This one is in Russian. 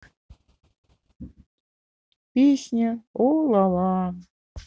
песня о ла ла